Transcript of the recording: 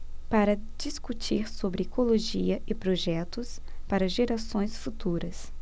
para discutir sobre ecologia e projetos para gerações futuras